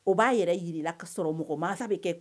O b'a yɛrɛ jirala ka sɔrɔ mɔgɔ masa bɛ kɛ